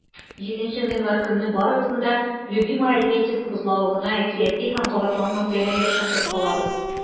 7 гыйнвар көнне барыгызны да "любимыйальметьевск" бозлавыгына әкияти һәм кабатланмас бәйрәмгә чакырып калабыз!